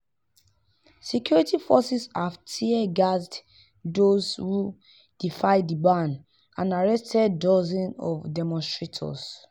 Security forces have tear gassed those who defy the ban, and arrested dozens of demonstrators.